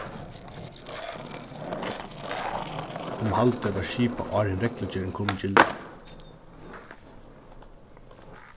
um haldið var skipað áðrenn reglugerðin kom í gildi